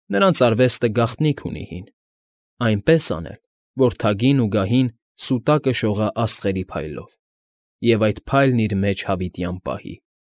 Նրանց արվեստը գաղտնիք ունի հին՝ Այնպես անել, որ թագին ու գահին Սուտակը շողա աստղերի փայլով, Եվ այդ փայլն իր մեջ հավիտյան պահի։